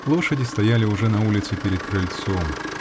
Лошади стояли уже на улице перед крыльцом.